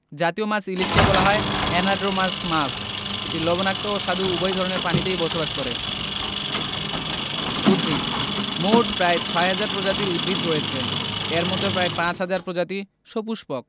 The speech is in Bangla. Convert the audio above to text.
জতীয় মাছ ইলিশকে বলা হয় অ্যানাড্রোমাস মাছ এটি লবণাক্ত ও স্বাদু উভয় ধরনের পানিতেই বসবাস করে উদ্ভিদঃ মোট প্রায় ৬ হাজার প্রজাতির উদ্ভিদ রয়েছে এর মধ্যে প্রায় ৫ হাজার প্রজাতি সপুষ্পক